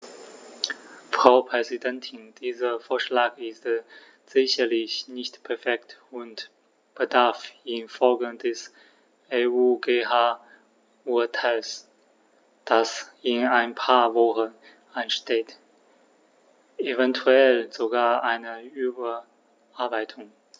Frau Präsidentin, dieser Vorschlag ist sicherlich nicht perfekt und bedarf in Folge des EuGH-Urteils, das in ein paar Wochen ansteht, eventuell sogar einer Überarbeitung.